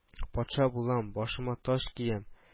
Патша булам, башыма таҗ киям